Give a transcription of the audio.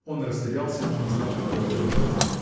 Он растерялся и не знал, какое выбрать.